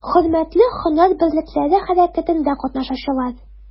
Хөрмәтле һөнәр берлекләре хәрәкәтендә катнашучылар!